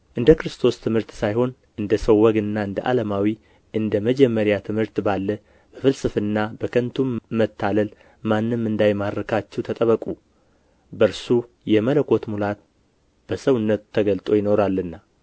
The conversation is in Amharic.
እንደ ክርስቶስ ትምህርት ሳይሆን እንደ ሰው ወግና እንደ ዓለማዊ እንደ መጀመሪያ ትምህርት ባለ በፍልስፍና በከንቱም መታለል ማንም እንዳይማርካችሁ ተጠበቁ በእርሱ የመለኮት ሙላት ሁሉ በሰውነት ተገልጦ ይኖራልና